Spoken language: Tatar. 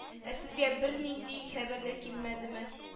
Ә сезгә бернинди хәбәр дә килмәдеме